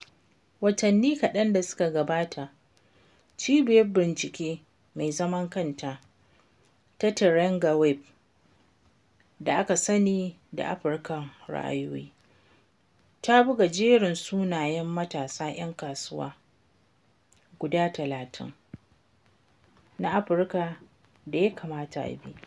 Watanni kaɗan da suka gabata, cibiyar bincike mai zaman kanta ta Terangaweb, da aka sani da “Afirkar Ra'ayoyi,” ta buga jerin sunayen matasa ‘yan kasuwa 30 na Afirka da ya kamata a bi.